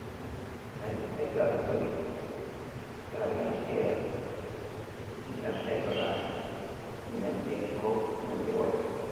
Magi giss ayy gaal yu bari gaal yagi terr mogi aam ayy bagas nitt yagi eeg si kaw nyu geh waceh.